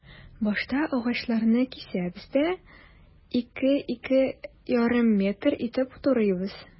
Башта агачларны кисәбез дә, 2-2,5 метр итеп турыйбыз.